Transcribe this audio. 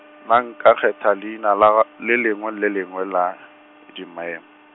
nna nka kgetha leina la ga, le lengwe le lengwe la, -dimaem.